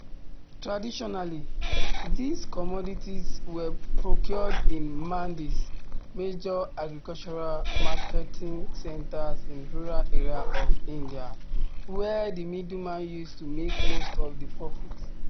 Traditionally, these commodities were procured in “mandis” (major agricultural marketing centers in rural areas of India), where the middleman used to make most of the profit.